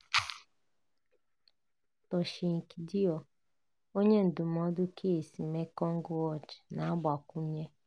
Toshiyuki Doi, onyendụmọdụ keisi Mekong watch, na-agbakwụnye: